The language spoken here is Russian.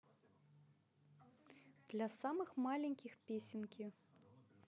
для самых маленьких песенки